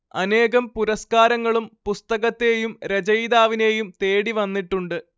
അനേകം പുരസ്കാരങ്ങളും പുസ്തകത്തെയും രചയിതാവിനെയും തേടിവന്നിട്ടുണ്ട്